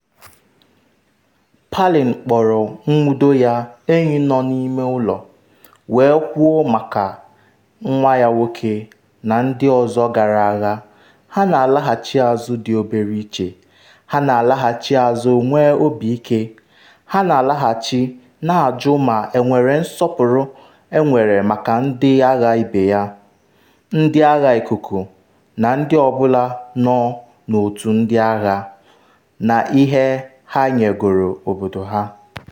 Palin kpọrọ nwudo ya ‘enyi nọ n’ime ụlọ” wee kwuo maka nwa ya nwoke na ndị ọzọ gara agha, ha na-alaghachi azụ dị obere iche, ha na-alaghachi azụ nwee obi ike, ha na-alaghachi na-ajụ ma enwere nsọpụrụ enwere maka ndị agha ibe ya, ndị agha ikuku, na ndị ọ bụla nọ n’otu ndị agha, n’ihe ha nyegoro obodo ha.”